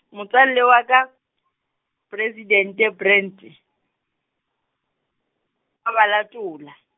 motswalle wa ka, President Brand, ba latola.